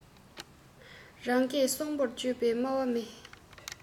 རང སྐད སྲོང པོར བརྗོད པའི སྨྲ བ མེད